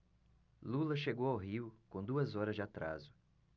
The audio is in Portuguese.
lula chegou ao rio com duas horas de atraso